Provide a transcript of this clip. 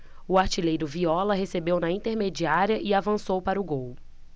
o artilheiro viola recebeu na intermediária e avançou para o gol